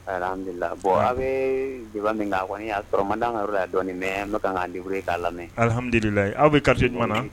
Dulilabɔ aw bɛ min'a sɔrɔ manga y'a dɔn kan'a aw